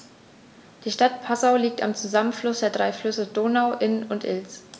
Die Stadt Passau liegt am Zusammenfluss der drei Flüsse Donau, Inn und Ilz.